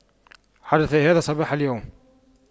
حدث هذا صباح اليوم